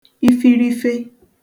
ifirife